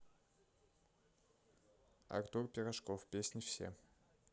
артур пирожков песни все